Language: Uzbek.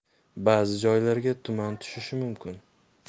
ba'zi joylarga tuman tushishi mumkin